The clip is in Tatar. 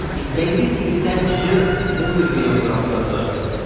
Иртәнге сигездән җыр, музыка яңгырап торды.